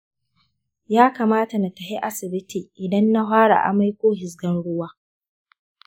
ya kamata na tafi asibiti idan na fara amai ko fizgan ruwa.